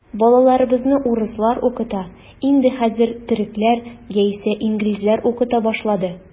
Балаларыбызны урыслар укыта, инде хәзер төрекләр яисә инглизләр укыта башлады.